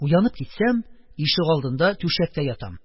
Уянып китсәм, ишек алдында түшәктә ятам.